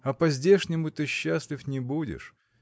а по-здешнему ты счастлив не будешь